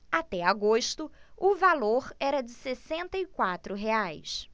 até agosto o valor era de sessenta e quatro reais